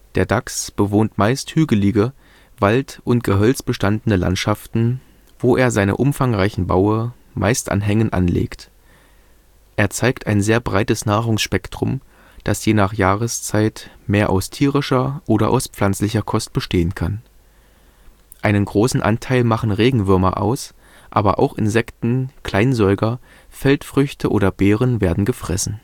Der Dachs bewohnt meist hügelige, wald - und gehölzbestandene Landschaften, wo er seine umfangreichen Baue meist an Hängen anlegt. Er zeigt ein sehr breites Nahrungsspektrum, das je nach Jahreszeit mehr aus tierischer oder aus pflanzlicher Kost bestehen kann. Einen großen Anteil machen Regenwürmer aus, aber auch Insekten, Kleinsäuger, Feldfrüchte oder Beeren werden gefressen